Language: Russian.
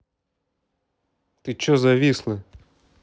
ты че зависла